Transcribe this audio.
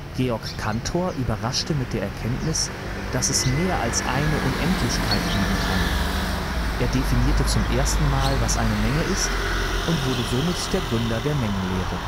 Georg Cantor überraschte mit der Erkenntnis, dass es mehr als eine „ Unendlichkeit “geben kann. Er definierte zum ersten Mal, was eine Menge ist, und wurde somit der Gründer der Mengenlehre